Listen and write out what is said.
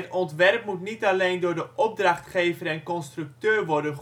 ontwerp moet niet alleen door de opdrachtgever en constructeur worden